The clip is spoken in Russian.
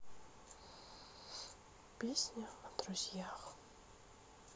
песня о друзьях